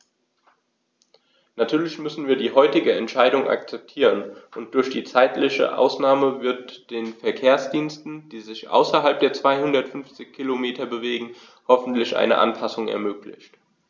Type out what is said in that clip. Natürlich müssen wir die heutige Entscheidung akzeptieren, und durch die zeitliche Ausnahme wird den Verkehrsdiensten, die sich außerhalb der 250 Kilometer bewegen, hoffentlich eine Anpassung ermöglicht.